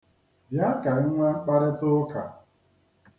Bịa ka anyị nwee mkparịtaụka.